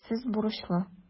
Сез бурычлы.